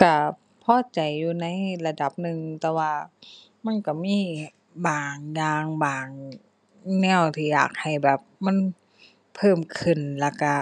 ก็พอใจอยู่ในระดับหนึ่ง แต่ว่ามันก็มีบางอย่างบางแนวที่อยากให้แบบ เพิ่มขึ้นแล้วก็